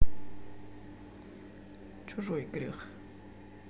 чужой грех